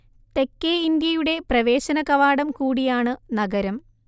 തെക്കേ ഇന്ത്യയുടെ പ്രവേശനകവാടം കൂടിയാണ് നഗരം